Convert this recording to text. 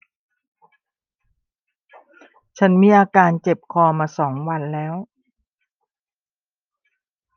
ฉันมีอาการเจ็บคอมาสองวันแล้ว